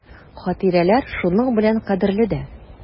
Хатирәләр шуның белән кадерле дә.